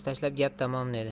tashlab gap tamom dedi